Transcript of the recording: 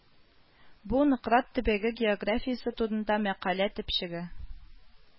Бу Нократ төбәге географиясе турында мәкалә төпчеге